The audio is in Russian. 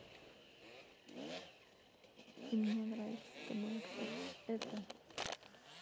и мне нравится с тобой общаться это